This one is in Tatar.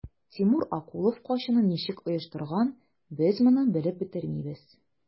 Тимур Акулов качуны ничек оештырган, без моны белеп бетермибез.